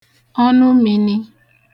ọnụmini